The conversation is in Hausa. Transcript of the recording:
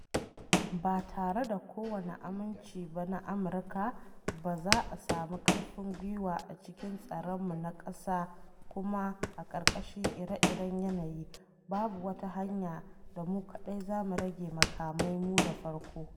“Ba tare da kowane aminci ba na Amurka ba za a sami ƙarfin gwiwa a cikin tsaronmu na ƙasa kuma a ƙarƙashin ire-iren yanayin babu wata hanya da mu kaɗai za mu rage makamai mu da farko.”